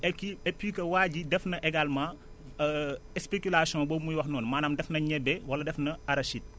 et puis et puis que waa ji def na également spéculation boobu muy wax noonu maanaam def na ñebe wala def na arachide